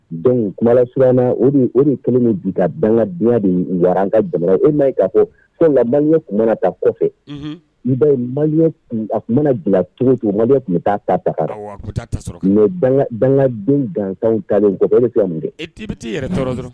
Donc kumalasi o o ni kelen min bi ka bange dun de an ka jamana e' ka fɔ fɛn nka maliya tun mana taa kɔfɛ n ba a tun mana bila cogo ma tun bɛ taa ta ta bangeden dankan ta